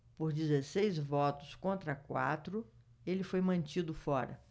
por dezesseis votos contra quatro ele foi mantido fora